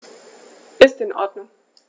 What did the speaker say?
Ist in Ordnung.